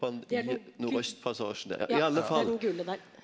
det er den det er den gule der.